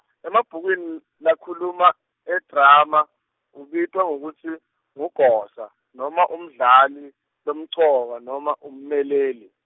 Emabhukwini l-, lakhuluma, edrama, ubitwa ngekutsi, ngugosa, noma umdlali, lomcoka noma ummeleli.